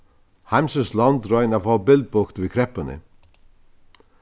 heimsins lond royna at fáa bilbugt við kreppuni